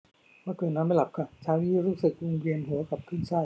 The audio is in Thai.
เมื่อคืนนอนไม่หลับค่ะเช้านี้รู้สึกวิงเวียนหัวกับคลื่นไส้